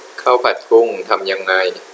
ข้าวผัดกุ้งทำยังไง